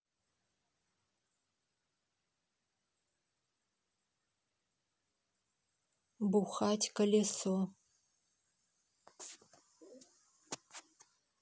бухать колесо